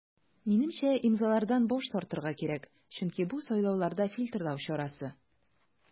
Минемчә, имзалардан баш тартырга кирәк, чөнки бу сайлауларда фильтрлау чарасы.